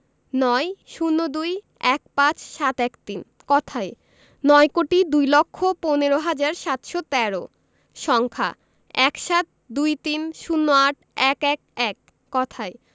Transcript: ৯ ০২ ১৫ ৭১৩ কথায়ঃ নয় কোটি দুই লক্ষ পনেরো হাজার সাতশো তেরো সংখ্যাঃ ১৭ ২৩ ০৮ ১১১ কথায়ঃ